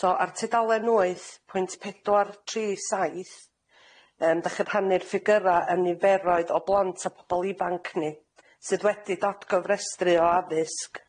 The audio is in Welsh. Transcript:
So ar tudalen wyth pwynt pedwar tri saith yym dych y rhannu'r ffigyra' yn niferoedd o blant a pobol ifanc ni sydd wedi datgofrestru o addysg.